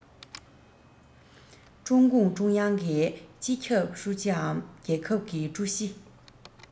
ཀྲུང གུང ཀྲུང དབྱང གི སྤྱི ཁྱབ ཧྲུའུ ཅིའམ རྒྱལ ཁབ ཀྱི ཀྲུའུ ཞི